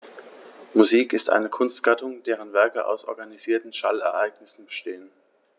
Musik ist eine Kunstgattung, deren Werke aus organisierten Schallereignissen bestehen.